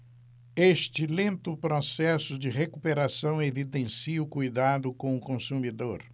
este lento processo de recuperação evidencia o cuidado com o consumidor